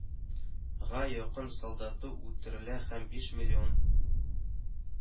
Га якын солдаты үтерелә һәм биш миллион